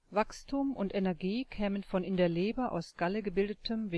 Wachstum und Energie kämen von in der Leber aus Galle gebildetem